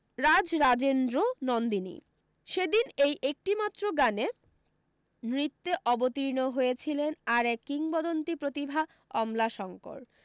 রাজরাজেন্দ্রনন্দিনী সে দিন এই একটিমাত্র গানে নৃত্যে অবতীর্ণ হয়েছিলেন আর এক কিংবদন্তী প্রতিভা অমলাশঙ্কর